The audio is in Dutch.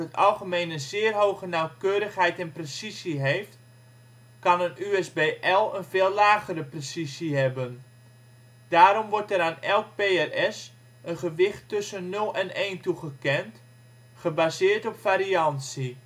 algemeen een zeer hoge nauwkeurigheid en precisie heeft, kan een USBL een veel lagere precisie hebben. Daarom wordt er aan elk PRS een gewicht tussen 0 en 1 toegekend, gebaseerd op variantie